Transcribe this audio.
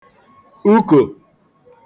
ukò